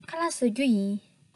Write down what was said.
ངས ཁ ལག བཟས མེད